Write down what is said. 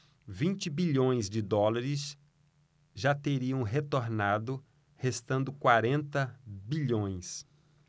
vinte bilhões de dólares já teriam retornado restando quarenta bilhões